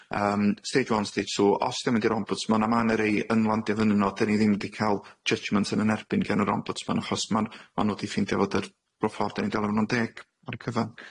Yym, stage one, stage two. Os dio'n mynd i'r ombudsman, a ma' 'ne rei yn landio fyny 'no, 'den ni ddim 'di ca'l judgmant yn 'yn erbyn gan yr ombudsman achos ma' nw- ma' nw 'di ffindio fod yr bro- ffor 'den ni'n delio 'fo nw'n deg ar y cyfan.